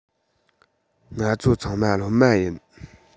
ང ཚོ ཚང མ སློབ མ ཡིན